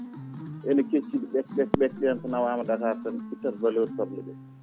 ene kecciɗiɗi ɓees ɓees